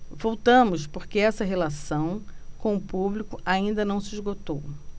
voltamos porque essa relação com o público ainda não se esgotou